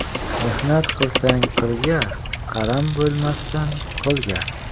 mehnat qilsang qirga qaram bo'lmassan qo'lga